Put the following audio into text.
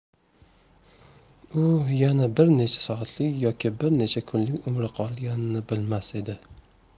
u yana bir necha soatlik yoki bir necha kunlik umri qolganini bilmas edi